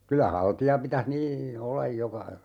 kyllä haltia pitäisi niin olla joka